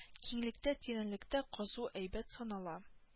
Киңлектә тирәнлектә казу әйбәт санала